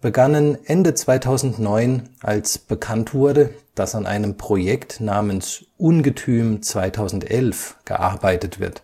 begannen Ende 2009, als bekannt wurde, dass an einem Projekt namens Ungetüm 2011 gearbeitet wird